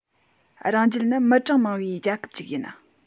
རང རྒྱལ ནི མི གྲངས མང པའི རྒྱལ ཁབ ཅིག ཡིན